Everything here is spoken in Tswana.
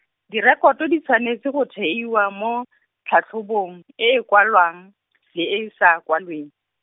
direkoto di tshwanetse go theiwa mo, tlhatlhobong, e e kwalwang, le e e sa kwalweng.